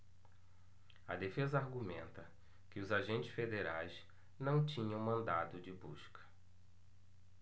a defesa argumenta que os agentes federais não tinham mandado de busca